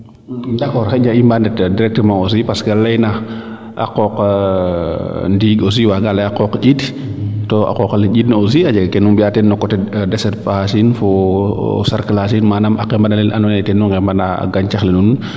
d' accord xaƴna i mbaa ndet directement aussi parce que leyna a qooq ndiing aussi waaga ley a qooq njiind to a qooqale njiind ne aussi a jega ke nu mbiya teen no coté desherbage in fo sarclage inn manaam a qembane lenen ando naye tenu ŋembana gancax le nuun